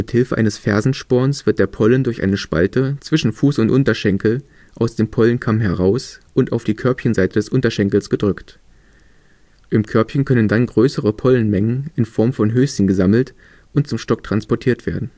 Hilfe eines Fersensporns wird der Pollen durch eine Spalte zwischen Fuß und Unterschenkel aus dem Pollenkamm heraus und auf die Körbchenseite des Unterschenkels gedrückt. Im Körbchen können dann größere Pollenmengen in Form von „ Höschen “gesammelt und zum Stock transportiert werden